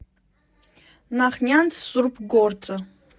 Նախնյաց սուրբ գործը։